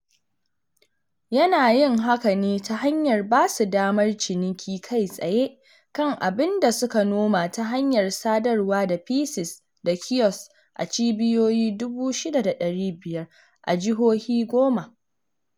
Yana yin haka ne ta hanyar basu damar ciniki kai tsaye kan abin da suka noma ta hanyar sadarwa ta PCs da kiosks a cibiyoyi 6,500 a jihohi 10.